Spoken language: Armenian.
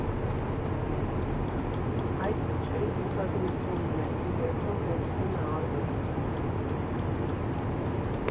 Այդ քչերի լուսագրությունն է, ի վերջո, կոչվում արվեստ։